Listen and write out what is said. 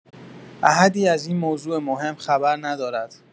احدی از این موضوع مهم خبر ندارد.